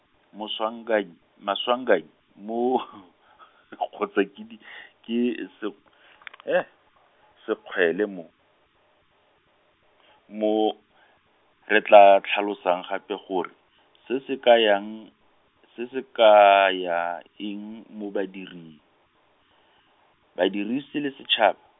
Maswanganyi, Maswanganyi, mo kgotsa Kedi ke Sekgw- , sekgwele mo, mo, re tla tlhalosang gape gore, se se kayang, se se kaya eng mo badiring, badirisi le setshaba.